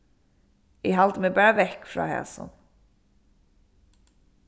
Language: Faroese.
eg haldi meg bara vekk frá hasum